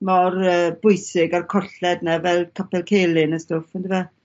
mor yy bwysig a'r colled 'na fel Capel Celyn a stwff yndyfe?